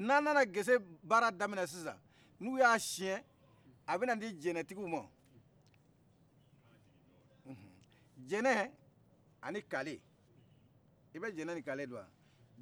n'an nana gese baara daminɛ n'u ya siyen a bɛna di jɛnɛ tigiw ma jɛnɛ ani kale i bɛ jɛnɛ ni kale dɔn wa